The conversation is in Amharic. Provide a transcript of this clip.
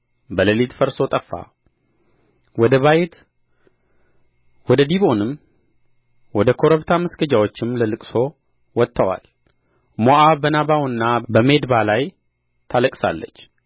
በሌሊት ፈርሶ ጠፋ ወደ ባይት ወደ ዲቦንም ወደ ኮረብታ መስገጃዎችም ለልቅሶ ወጥተዋል ሞዓብ በናባው በሜድባ ላይ ታለቅሳለች